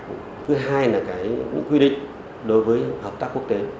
thứ hai là cái quy định đối với hợp tác quốc tế